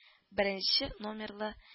Беренче номерлы